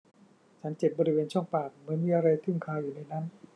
ฉันเจ็บบริเวณช่องปากเหมือนมีอะไรทิ่มคาอยู่ในนั้น